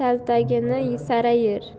yer kaltagini sara yer